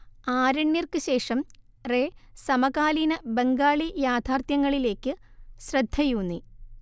ആരണ്യർക്ക് ശേഷം റേ സമകാലീന ബംഗാളി യാഥാർത്ഥ്യങ്ങളിലേയ്ക്ക് ശ്രദ്ധയൂന്നി